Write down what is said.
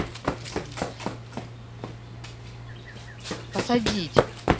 посадить